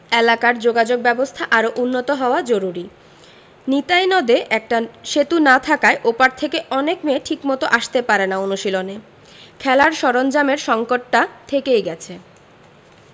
এলাকার যোগাযোগব্যবস্থা আরও উন্নত হওয়া জরুরি নিতাই নদে একটা সেতু না থাকায় ও পার থেকে অনেক মেয়ে ঠিকমতো আসতে পারে না অনুশীলনে খেলার সরঞ্জামের সংকটটা থেকেই গেছে